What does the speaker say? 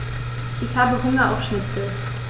Ich habe Hunger auf Schnitzel.